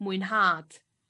mwynhad